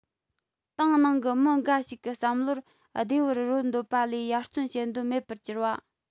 ཏང ནང གི མི འགའ ཞིག གི བསམ བློར བདེ བར རོལ འདོད པ ལས ཡར བརྩོན བྱེད འདོད མེད པར གྱུར བ